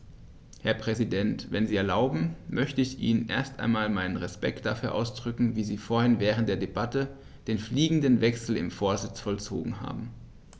Herr Präsident, wenn Sie erlauben, möchte ich Ihnen erst einmal meinen Respekt dafür ausdrücken, wie Sie vorhin während der Debatte den fliegenden Wechsel im Vorsitz vollzogen haben.